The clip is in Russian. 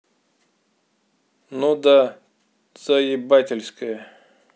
ну да заебательская